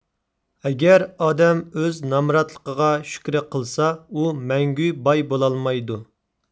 ئەگەر ئادەم ئۆز نامراتلىقىغا شۈكۈر قىلسا ئۇ مەڭگۈ باي بولالمايدۇ